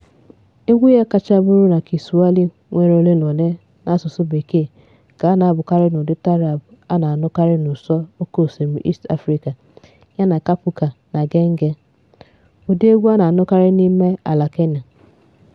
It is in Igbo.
Egwu ya nke kacha bụrụ na Kiswahili nwere ole na ole n'asụsụ Bekee ka a na-abụ n'ụdị Taarab a na-anụkarị n'ụsọ oké osimiri East Africa yana Kapuka na Genge, ụdị egwu a na-anụkarị n'ime ala Kenya.